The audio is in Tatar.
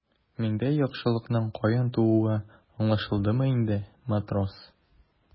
Миндә яхшылыкның каян тууы аңлашылдымы инде, матрос?